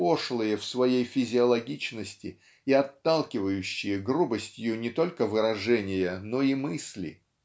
пошлые в своей физиологичности и отталкивающие грубостью не только выражения но и мысли